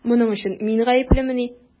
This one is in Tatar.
Моның өчен мин гаеплемени?